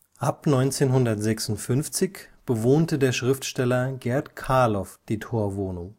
Ab 1956 bewohnte der Schriftsteller Gert Kalow die Torwohnung